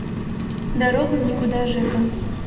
дорога в никуда жека